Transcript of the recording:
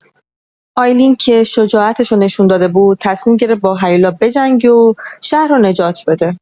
آیلین که شجاعتشو نشون داده بود، تصمیم گرفت با هیولا بجنگه و شهر رو نجات بده.